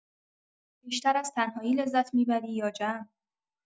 بیشتر از تنهایی لذت می‌بری یا جمع؟